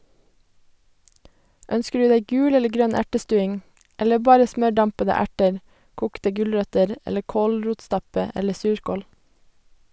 Ønsker du deg gul eller grønn ertestuing - eller bare smørdampede erter, kokte gulrøtter eller kålrotstappe eller surkål?